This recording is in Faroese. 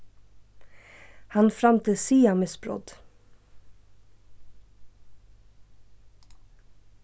hann framdi siðamisbrot